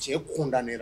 Cɛ kunda ne la